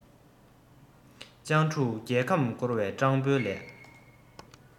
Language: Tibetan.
སྤྲང ཕྲུག རྒྱལ ཁམས བསྐོར བ སྤྲང པོའི ལས